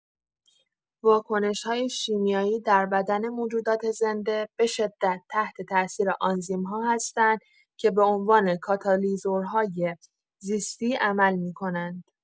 واکنش‌های شیمیایی در بدن موجودات زنده به‌شدت تحت‌تاثیر آنزیم‌ها هستند که به‌عنوان کاتالیزورهای زیستی عمل می‌کنند.